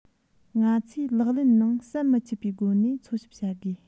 ང ཚོས ལག ལེན ནང ཟམ མི ཆད པའི སྒོ ནས འཚོལ ཞིབ བྱ དགོས